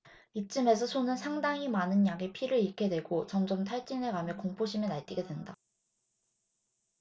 이쯤에서 소는 상당히 많은 양의 피를 잃게 되고 점점 탈진해 가며 공포심에 날뛰게 된다